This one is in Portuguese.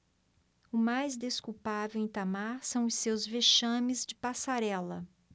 o mais desculpável em itamar são os seus vexames de passarela